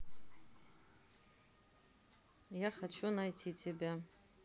я хочу найти тебя